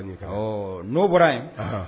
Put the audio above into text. Awɔ n'o bɔra yen, ɔhɔ.